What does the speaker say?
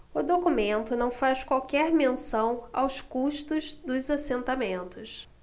o documento não faz qualquer menção aos custos dos assentamentos